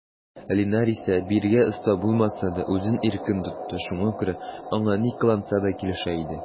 Линар исә, биергә оста булмаса да, үзен иркен тотты, шуңа күрә аңа ни кыланса да килешә иде.